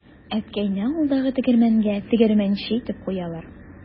Әткәйне авылдагы тегермәнгә тегермәнче итеп куялар.